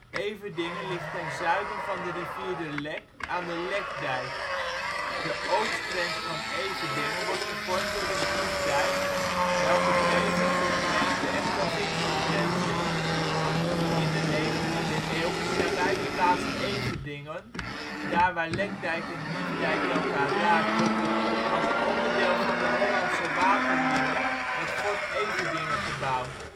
Everdingen ligt ten zuiden van de rivier de Lek aan de Lekdijk. De oostgrens van Everdingen wordt gevormd door de Diefdijk, welke tevens gemeente - en provinciegrens is. In de 19e eeuw is nabij de plaats Everdingen (daar waar Lekdijk en Diefdijk elkaar raken) als onderdeel van de Hollandse Waterlinie het Fort Everdingen gebouwd